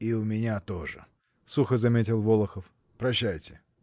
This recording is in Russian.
— И у меня тоже, — сухо заметил Волохов. — Прощайте.